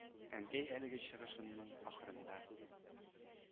Әнкәй әлеге чыгышының ахырында